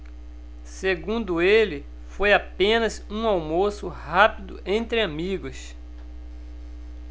segundo ele foi apenas um almoço rápido entre amigos